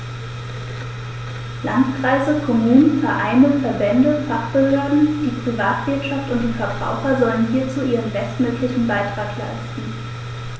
Landkreise, Kommunen, Vereine, Verbände, Fachbehörden, die Privatwirtschaft und die Verbraucher sollen hierzu ihren bestmöglichen Beitrag leisten.